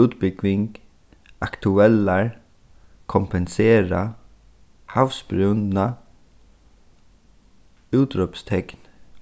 útbúgving aktuellar kompensera havsbrúnna útrópstekn